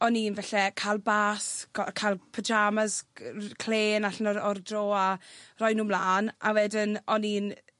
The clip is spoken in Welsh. o'n i'n falla cael bath go- ca'l pyjamas gy- r- clên allan o'r o'r draw a rhoi nw mlan a wedyn o'n i'n